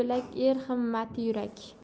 er himmati yurak